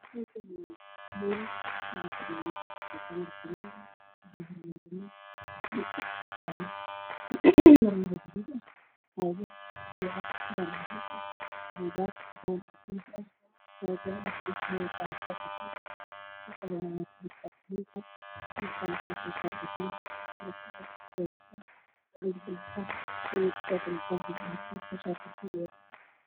Meeshan waxaa fadhiya niman iyo naago waxay haystaan warqado iyo qalimaan